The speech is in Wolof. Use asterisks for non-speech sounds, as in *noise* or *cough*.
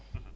*hesitation* *hesitation*